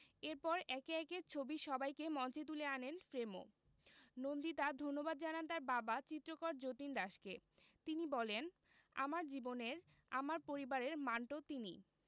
এরপর একে একে ছবির সবাইকে মঞ্চে তুলে আনেন ফ্রেমো নন্দিতা ধন্যবাদ জানান তার বাবা চিত্রকর যতীন দাসকে তিনি বলেন আমার জীবনের আমার পরিবারের মান্টো তিনি